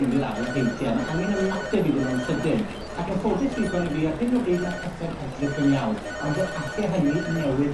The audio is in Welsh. mynd i'r afel ar heintie ma' angen ymateb iddyn nw'n sydyn ac yn ffodus ddigon i fi ar hyn o bryd ma' pethe'n edrych yn iawn ond fe alle' hynny newid